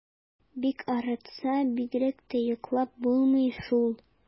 Бик арытса, бигрәк тә йоклап булмый шул.